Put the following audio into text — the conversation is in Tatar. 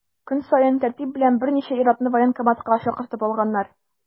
Көн саен тәртип белән берничә ир-атны военкоматка чакыртып алганнар.